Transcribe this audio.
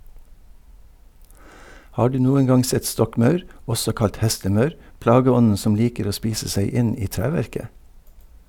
Har du noen gang sett stokkmaur, også kalt hestemaur, plageånden som liker å spise seg inn i treverket?